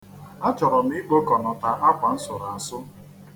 Achọrọ m ikpokọnata akwa m sụrụ asụ.